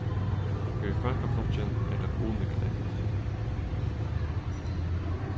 fyri fólkaflokkin er tað uni klett